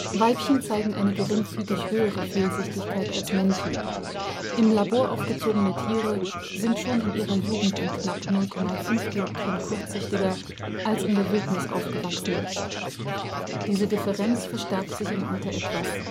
Weibchen zeigen eine geringfügig höhere Fehlsichtigkeit als Männchen, im Labor aufgezogene Tiere sind schon in ihrer Jugend um knapp 0,5 dpt kurzsichtiger als in der Wildnis aufgewachsene, diese Differenz verstärkt sich im Alter etwas